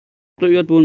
qo'rqoqda uyat bo'lmas